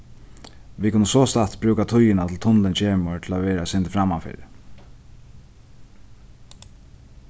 vit kunnu sostatt brúka tíðina til tunnilin kemur til at vera eitt sindur frammanfyri